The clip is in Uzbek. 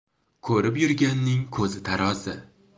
ko'rib yurganning ko'zi tarozi